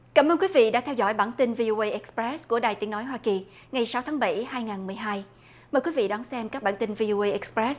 cảm ơn quý vị đã theo dõi bản tin vi ô ây ích pờ rét của đài tiếng nói hoa kỳ ngày sáu tháng bảy hai ngàn mười hai mời quý vị đón xem các bản tin vi ô ây ích pờ rét